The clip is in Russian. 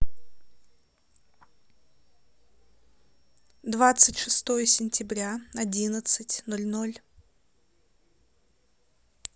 двадцать шестое сентября одиннадцать ноль ноль